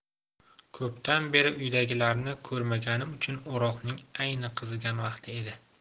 ko'pdan beri uydagilarni ko'rmaganim uchun o'roqning ayni qizigan vaqti edi